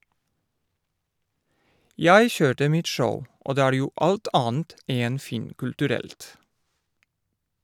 - Jeg kjørte mitt show, og det er jo alt annet enn finkulturelt.